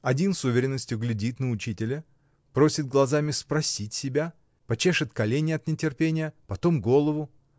Один с уверенностью глядит на учителя, просит глазами спросить себя, почешет колени от нетерпения, потом голову.